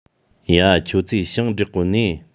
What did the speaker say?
ཡ ཁྱོད ཚོས ཞིང འབྲེག གོ ནིས